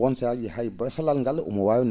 won sahaaji hay basalal ngal nguunin waawi